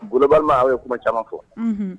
Oba aw ye kuma caman fɔ